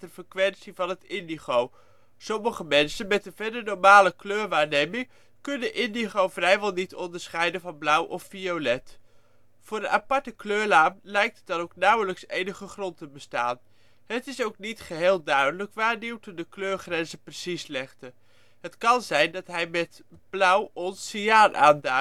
frequentie van het indigo. Sommige mensen, met een verder normale kleurwaarneming, kunnen indigo vrijwel niet onderscheiden van blauw en violet. Voor een aparte kleurnaam lijkt dan ook nauwelijks enige grond te bestaan. Het is ook niet geheel duidelijk waar Newton de kleurgrenzen precies legde. Het kan zijn dat hij met " blauw " ons cyaan aanduidde